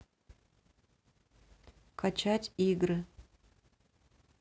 качать игры